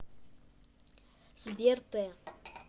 сбер т